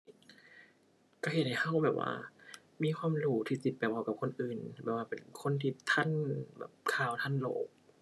ก็เฮ็ดให้ก็แบบว่ามีความรู้ที่สิไปเว้ากับคนอื่นแบบว่าเป็นคนที่ทันแบบข่าวทันโลก